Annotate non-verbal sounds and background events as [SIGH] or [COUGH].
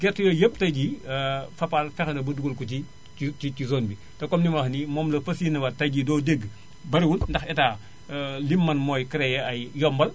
gerte yooyu yépp tay jii [HESITATION] Fapal fexe na ba dugal ko ci ci ci ci zone bi te comme ni ma la ko waxee nii moom la fas yéenewaat tay jii doo dégg bariwul [NOISE] ndax Etat [HESITATION] li mu mën mooy créé ay yombal [NOISE]